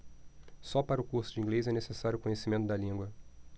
só para o curso de inglês é necessário conhecimento da língua